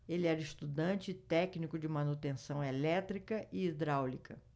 ele era estudante e técnico de manutenção elétrica e hidráulica